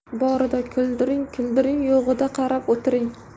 borida kuldiring kuldiring yo'g'ida qarab o'tiring